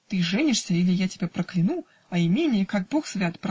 -- Ты женишься, или я тебя прокляну, а имение, как бог свят!